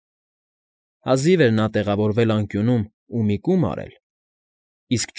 Հազիվ էր նա տեղավորվել անկյունում ու մի կում արել (իսկ։